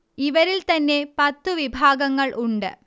ഇവരിൽ തന്നെ പത്തു വിഭാഗങ്ങൾ ഉണ്ട്